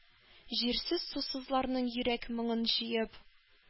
Җирсез-сусызларның йөрәк моңын җыеп